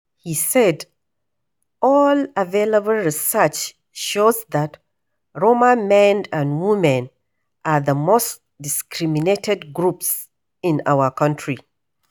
He said: All available research shows that Roma men and women are the most discriminated groups in our country.